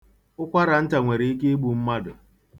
Ụkwaranta nwere ike igbu mmadụ.